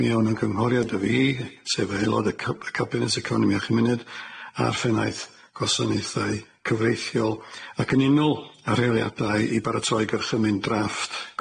mi o'n yn gynghoriad â fi sef aelod y cy- y cabinet economi a chymuned a'r phennaeth gwasanaethau cyfreithiol ac yn unol a rheoliadau i baratoi gyrchymyn drafft.